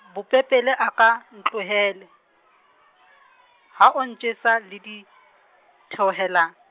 Bopepele a ko ntlohele, ha o ntjese le ditheohelang.